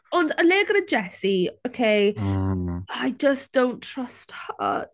Ond o leiaf gyda Jessie, ok... Hmm... I just don't trust her.